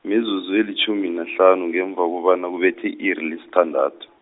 mizuzu elitjhumi nahlanu ngemva kobana kubethe i-iri lesithandathu.